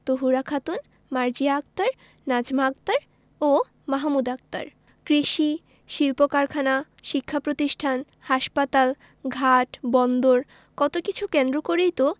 তহুরা খাতুন মার্জিয়া আক্তার নাজমা আক্তার ও মাহমুদা আক্তার কৃষি শিল্পকারখানা শিক্ষাপ্রতিষ্ঠান হাসপাতাল ঘাট বন্দর কত কিছু কেন্দ্র করেই তো